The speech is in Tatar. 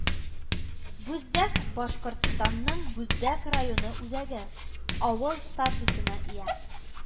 Бүздәк Башкортстанның Бүздәк районы үзәге, авыл статусына ия